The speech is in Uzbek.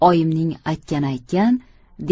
oyimning aytgani aytgan